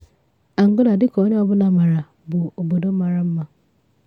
Angola, dịka onye ọbụla maara, bụ obodo mara mma.